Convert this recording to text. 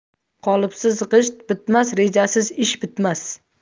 qolipsiz g'isht bitmas rejasiz ish bitmas